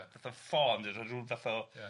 fatha ffon yn deud so ryw fath o